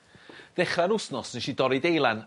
Ddechrau'r wthnos nesh i dorri deilan